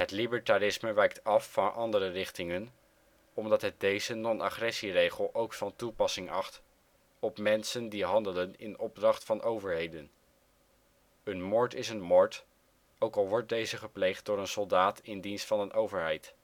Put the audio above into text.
libertarisme wijkt af van andere richtingen omdat het deze non-agressieregel ook van toepassing acht op mensen die handelen in opdracht van overheden. Een moord is een moord, ook al wordt deze gepleegd door een soldaat in dienst van een overheid